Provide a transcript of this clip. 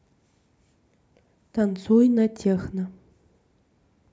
танцуй на техно